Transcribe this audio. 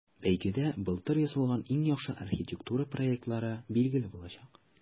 Бәйгедә былтыр ясалган иң яхшы архитектура проектлары билгеле булачак.